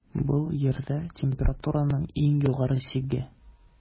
Бу - Җирдә температураның иң югары чиге.